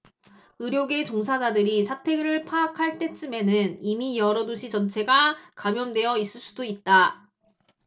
의료계 종사자들이 사태를 파악할 때쯤에는 이미 여러 도시 전체가 감염되어 있을 수도 있다